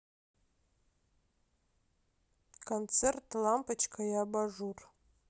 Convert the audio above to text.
концерт лампочка и абажур